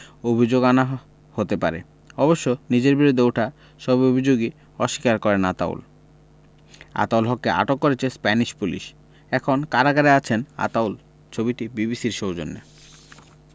অভিযোগ আনা হতে পারে অবশ্য নিজের বিরুদ্ধে ওঠা সব অভিযোগই অস্বীকার করেন আতাউল আতাউল হককে আটক করেছে স্প্যানিশ পুলিশ এখন কারাগারে আছেন আতাউল ছবিটি বিবিসির সৌজন্যে